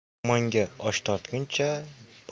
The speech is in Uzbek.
yomonga osh tortguncha